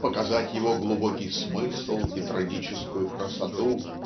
показать его глубокий смысл и трагическую красоту.